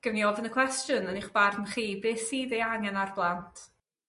gewn ni ofyn y cwestiwn yn eich barn chi beth sydd ei angen a'r blant?